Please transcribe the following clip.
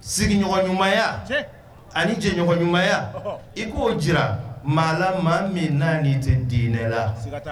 Sigiɲɔgɔn ɲumanya ani jɛɲɔgɔn ɲumanya i k'o jira maa la maa min n naani tɛ diinɛ la